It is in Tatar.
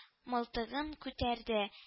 Мылтыгын күтәрде